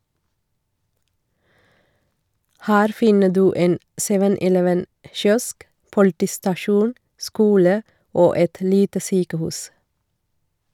Her finner du en 7-eleven kiosk, politistasjon, skole og et lite sykehus.